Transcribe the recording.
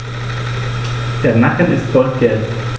Der Nacken ist goldgelb.